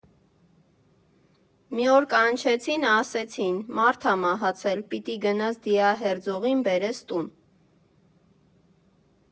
Մի օր կանչեցին, ասեցին՝ մարդ ա մահացել, պիտի գնաս դիահերձողին բերես տուն։